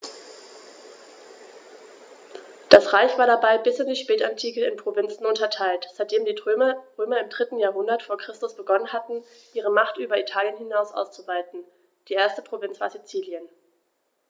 Das Reich war dabei bis in die Spätantike in Provinzen unterteilt, seitdem die Römer im 3. Jahrhundert vor Christus begonnen hatten, ihre Macht über Italien hinaus auszuweiten (die erste Provinz war Sizilien).